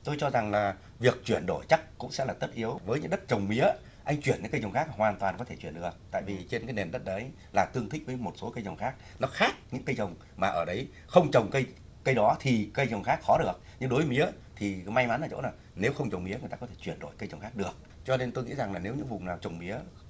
tôi cho rằng là việc chuyển đổi chắc cũng sẽ là tất yếu với những đất trồng mía anh chuyển những cây trồng khác hoàn toàn có thể chuyển được tại vì trên cái nền đất đấy là tương thích với một số cây trồng khác mặt khác những cây trồng mà ở đấy không trồng cây cây đó thì cây trồng khác có được những đối mía thì may mắn ở chỗ nếu không trồng mía người ta có thể chuyển đổi cây trồng khác được cho nên tôi nghĩ rằng là nếu những vùng nào trồng mía